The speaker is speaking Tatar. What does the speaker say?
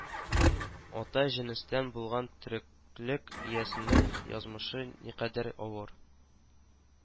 Ата җенестән булган тереклек иясенең язмышы никадәр авыр